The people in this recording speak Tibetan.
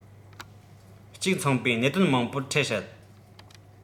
གཅིག མཚུངས པའི གནད དོན མང པོར འཕྲད སྲིད